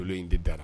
In di dara